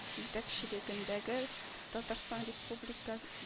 Җитәкчелегендәге татарстан республика